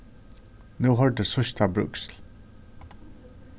nú hoyrdist síðsta bríksl